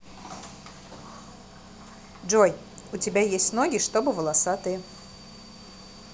джой у тебя есть ноги чтобы волосатые